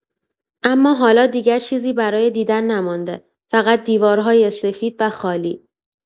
اما حالا دیگر چیزی برای دیدن نمانده، فقط دیوارهای سفید و خالی.